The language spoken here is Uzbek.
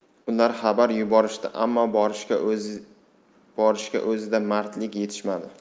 ular xabar yuborishdi ammo borishga o'zida mardlik yetishmadi